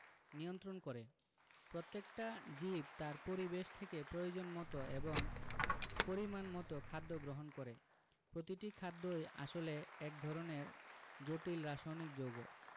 নিয়ন্ত্রন করে প্রত্যেকটা জীব তার পরিবেশ থেকে প্রয়োজনমতো এবং পরিমাণমতো খাদ্য গ্রহণ করে প্রতিটি খাদ্যই আসলে এক ধরনের জটিল রাসায়নিক যৌগ